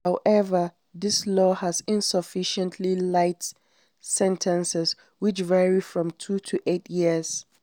However, this law has insufficiently light sentences, which vary from two to eight years.